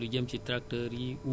dafa bokk ci assurance bi